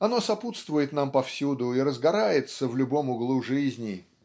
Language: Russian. Оно сопутствует нам повсюду и разгорается в любом углу жизни.